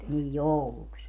niin jouluksi